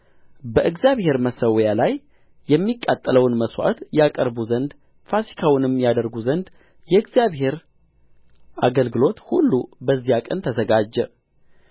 በእግዚአብሔር መሠዊያ ላይ የሚቃጠለውን መሥዋዕት ያቀርቡ ዘንድ ፋሲካውንም ያደርጉ ዘንድ የእግዚአብሔር አገልግሎት ሁሉ በዚያ ቀን ተዘጋጀ